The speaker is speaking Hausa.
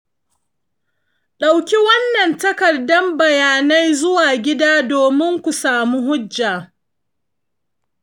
ɗauki wannan takardar bayanai zuwa gida domin ku samu hujja.